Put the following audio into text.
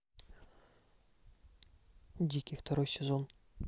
дикий второй сезон